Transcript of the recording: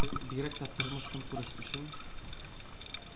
Бигрәк тә тормыш-көнкүреш өчен